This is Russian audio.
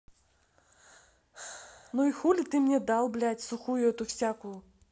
ну и хули ты мне дал блядь сухую эту всякую